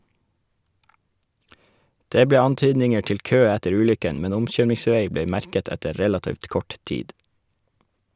Det ble antydninger til kø etter ulykken, men omkjøringsvei ble merket etter relativt kort tid.